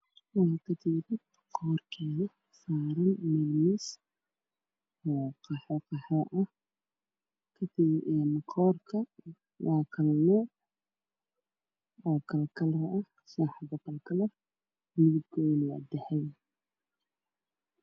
Waa katiinad qoor ah oo saaran meel miis oo qaxwi ah qoorka waa kala nuuc kalarkeedu waa dahabi.